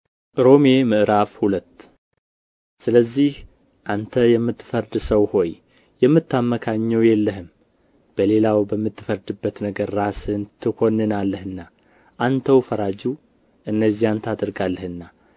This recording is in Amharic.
ሮሜ ምዕራፍ ሁለት ስለዚህ አንተ የምትፈርድ ሰው ሁሉ ሆይ የምታመካኘው የለህም በሌላው በምትፈርድበት ነገር ራስህን ትኰንናለህና አንተው ፈራጁ እነዚያን ታደርጋለህና